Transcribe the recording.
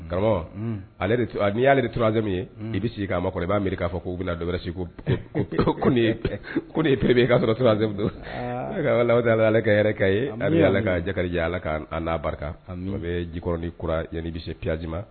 Karamɔgɔ ale'i y'ale tura min ye i bɛ sigi k'a ma kɔrɔ i b'a mi k'a fɔ k'u bɛna dɔwɛrɛ segu ko yeere i kaa sɔrɔ don ala ka yɛrɛ ka ye ala ka jatigijɛ ala ka la barika bɛ jik kura yanani bɛ se pji ma